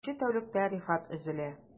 Өченче тәүлектә Рифат өзелә...